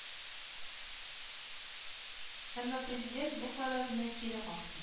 Әмма президент бу фаразны кире какты